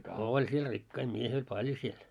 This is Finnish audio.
oli siellä rikkaita miehiä oli paljon siellä